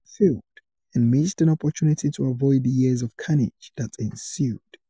We failed, and missed an opportunity to avoid the years of carnage that ensued.